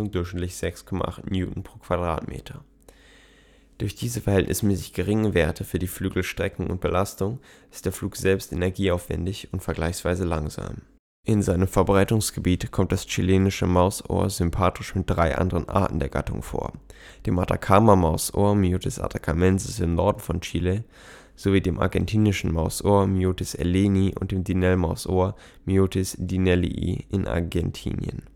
durchschnittlich 6,8 N/m². Durch diese verhältnismäßig geringen Werte für die Flügelstreckung und - belastung ist der Flug selbst energieaufwendig und vergleichsweise langsam. In seinem Verbreitungsgebiet kommt das Chilenische Mausohr sympatrisch mit drei anderen Arten der Gattung vor, dem Atacama-Mausohr (Myotis atacamensis) im Norden von Chile sowie dem Argentinischen Mausohr (Myotis aelleni) und dem Dinnell-Mausohr (Myotis dinellii) in Argentinien